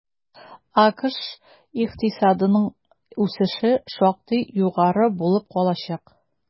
АКШ икътисадының үсеше шактый югары булып калачак.